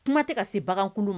Kuma tɛ ka se bagankulu ma